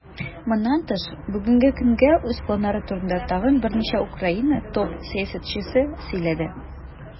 Моннан тыш, бүгенге көнгә үз планнары турында тагын берничә Украина топ-сәясәтчесе сөйләде.